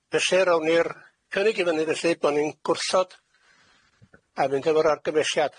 Felly rowni'r cynnig i fyny felly bo' ni'n gwrthod a mynd efo'r argymelliad.